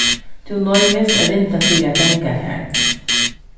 tú noyðist at rinda fyri at ganga har